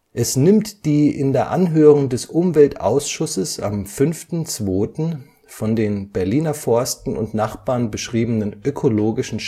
Es nimmt die in der Anhörung des Umweltausschusses am 05. 02. von den Berliner Forsten und Nachbarn beschriebenen ökologischen